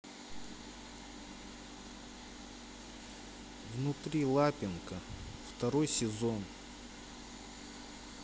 внутри лапенко второй сезон